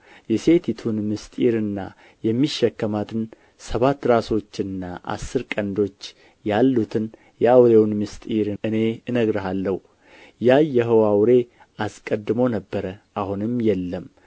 የሴቲቱን ምስጢርና የሚሸከማትን ሰባት ራሶችና አስር ቀንዶች ያሉትን የአውሬውን ምስጢር እኔ እነግርሃለሁ ያየኸው አውሬ አስቀድሞ ነበረ አሁንም የለም